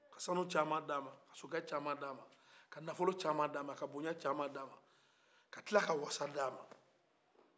ka sanu cama d'a ma ka sokɛ cama d'a ma ka nafɔlo cama d'a ma ka boɲa cama d'a ma ka kila ka wasa d'a ma